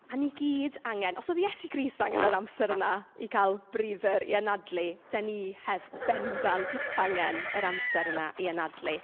A ni gyd angen. Os oedd i Iesu Grist angen yr amser yna i gael breather i anadlu, dan ni hef- bendant angen yr amser yna i anadlu.